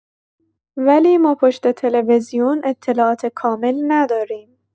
ولی ما پشت تلویزیون اطلاعات کامل نداریم.